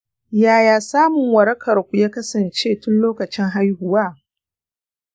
yaya samun warakar ku ya kasance tun lokacin haihuwa